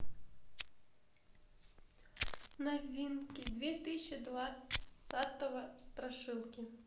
новинки две тысячи двадцатого страшилки